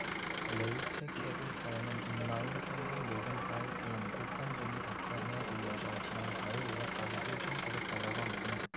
레이트켑의 사연은 온라인 성금 모금 사이트인 고펀드미닷컴에 올려져 지난 사 일 오후까지 삼 천 구백 달러가 모금됐다